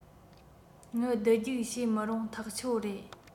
དངུལ བསྡུ རྒྱུག བྱེད མི རུང ཐག ཆོད རེད